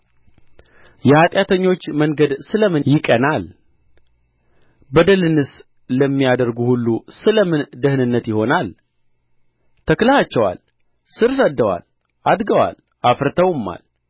የኃጢአተኞች መንገድ ስለምን ይቃናል በደልንስ ለሚያደርጉ ሁሉ ስለምን ደኅንነት ይሆናል ተክለሃቸዋል ሥር ሰድደዋል አድገዋል አፍርተውማል